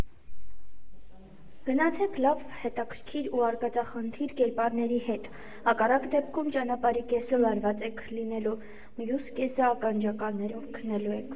Գնացեք լավ հետաքրքիր ու արկածախնդիր կերպարների հետ, հակառակ դեպքում ճանապարհի կեսը լարված եք լինելու, մյուս կեսը ականջակալներով քնելու եք։